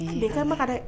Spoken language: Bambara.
Bɛn ka maka dɛ